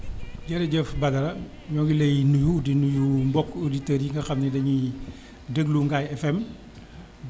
jërëjëf Badara ñoo ngi lay nuyu di nuyu mbokki auditeurs yi nga xam ne dañuy déglu ngaye FM